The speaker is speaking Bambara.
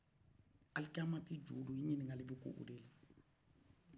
alkiamati jɔ don i ɲinikali bɛ k'o de la